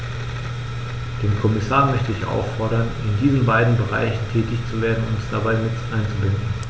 Den Kommissar möchte ich auffordern, in diesen beiden Bereichen tätig zu werden und uns dabei mit einzubinden.